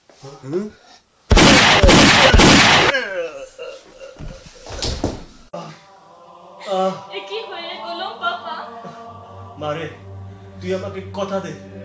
এ কি হয়ে গেল বাবা মারে তুই আমাকে কথা দে